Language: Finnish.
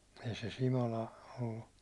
ei se Simola ollut